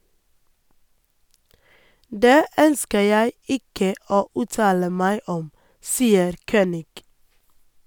- Det ønsker jeg ikke å uttale meg om, sier Kønig.